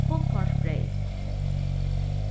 fullkornsbreyð